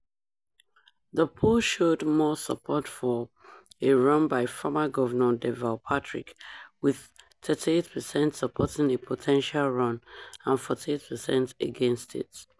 The poll showed more support for a run by former Governor Deval Patrick, with 38 percent supporting a potential run and 48 percent against it.